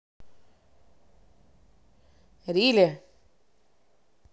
really